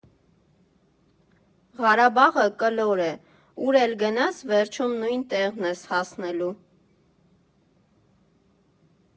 Ղարաբաղը կլոր է, ուր էլ գնաս, վերջում նույն տեղն ես հասնելու։